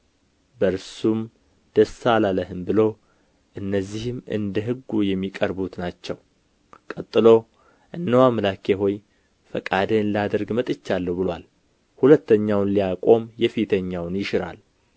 በእርሱም ደስ አላለህም ብሎ እነዚህም እንደ ሕግ የሚቀርቡት ናቸው ቀጥሎ እነሆ አምላኬ ሆይ ፈቃድህን ላደርግ መጥቼአለሁ ብሎአል ሁለተኛውንም ሊያቆም የፊተኛውን ይሽራል